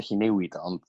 gallu newid ond